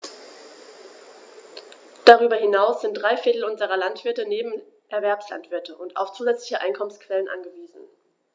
Darüber hinaus sind drei Viertel unserer Landwirte Nebenerwerbslandwirte und auf zusätzliche Einkommensquellen angewiesen.